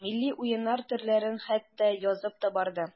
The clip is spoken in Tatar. Милли уеннар төрләрен хәтта язып та барды.